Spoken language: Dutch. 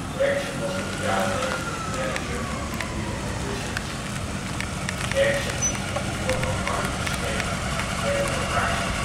Derksen was in de jaren negentig manager van Cuby and the Blizzards. Derksen en Cuby-voorman Harry Muskee kennen elkaar sinds